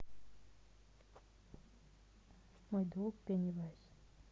мой друг пенсивиль